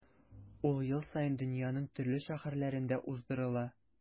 Ул ел саен дөньяның төрле шәһәрләрендә уздырыла.